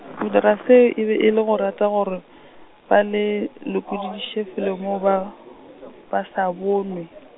go dira se e be e le go rata gore, ba le, lekodišiše felo moo ba, ba sa bonwe.